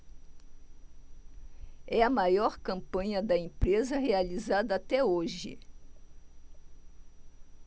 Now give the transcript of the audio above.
é a maior campanha da empresa realizada até hoje